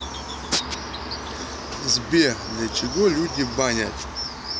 сбер для чего люди банят